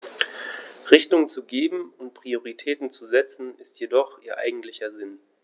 Richtung zu geben und Prioritäten zu setzen, ist jedoch ihr eigentlicher Sinn.